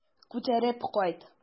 Күтәреп кайт.